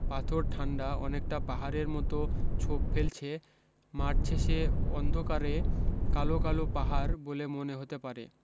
পাথর ঠান্ডা অনেকটা পাহাড়ের মতো ছোপ ফেলছে মাঠশেষে অন্ধকারে কালো কালো পাহাড় বলে মনে হতে পারে